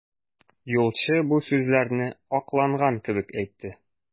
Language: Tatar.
Юлчы бу сүзләрне акланган кебек әйтте.